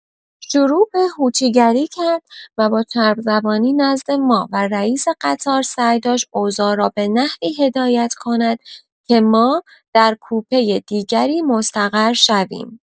شروع به هوچی گری کرد و با چرب‌زبانی نزد ما و رئیس قطار سعی داشت اوضاع را به نحوی هدایت کند که ما در کوپۀ دیگری مستقر شویم.